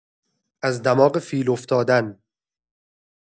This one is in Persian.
از دماغ فیل افتادن